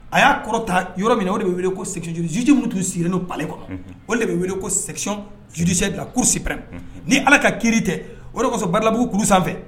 A y'a kɔrɔta yɔrɔ min o de bɛ wele ko sjjjuumutu siri' bale kuwa o de bɛ wele ko segcɔnjsɛ kulusiprɛme ni ala ka kiiri tɛ o de kosɔn baradabubugu sanfɛ